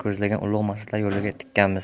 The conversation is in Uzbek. ko'zlagan ulug' maqsadlar yo'liga tikkanmiz